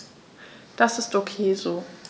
Das ist ok so.